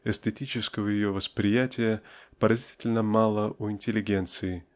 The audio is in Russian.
эстетического ее восприятия поразительно малы у интеллигенции